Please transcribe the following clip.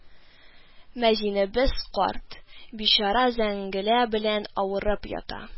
Мәзинебез карт; бичара зәңгелә белән авырып ята